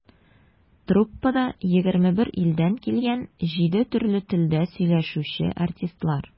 Труппада - 21 илдән килгән, җиде төрле телдә сөйләшүче артистлар.